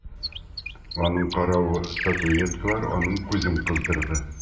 Аның каравы статуэткалар аның күзен кыздырды.